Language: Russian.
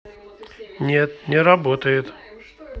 нет не работает